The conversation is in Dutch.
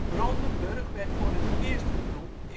Rondenbörg werd voor het eerst genoemd